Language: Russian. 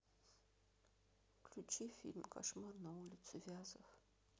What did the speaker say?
включи фильм кошмар на улице вязов